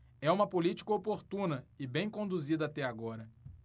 é uma política oportuna e bem conduzida até agora